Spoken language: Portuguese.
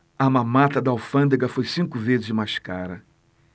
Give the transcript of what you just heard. a mamata da alfândega foi cinco vezes mais cara